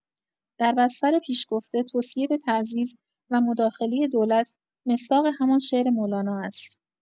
در بستر پیش‌گفته، توصیه به تعزیر و مداخلۀ دولت، مصداق همان شعر مولانا است.